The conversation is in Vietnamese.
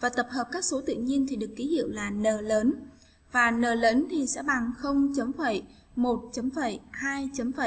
bài tập hợp các số tự nhiên thì được kí hiệu là n lớn khoản nợ lớn thì sẽ bằng chấm phẩy một chấm phẩy hai chấm